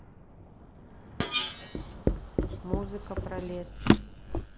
музыка про лес